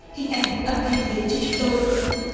hình ảnh âm thanh đến cho chúng tôi